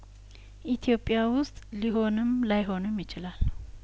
ኢትዮጵያ ውስጥ ሊሆንም ላይ ሆንም ይችላል